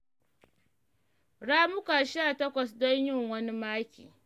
Ramuka 18 don yin wani maki.